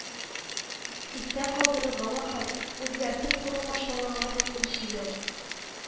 —истә калдырырга вакыт, үзгәртеп кору башланганга дүртенче ел